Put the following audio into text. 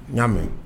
N y'a mɛn